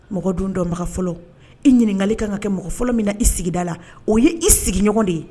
Mɔgɔ dun dɔnbanafɔlɔ i ɲininkali kan ka kɛ mɔgɔ fɔlɔ min na i sigida la o ye i sigiɲɔgɔn de ye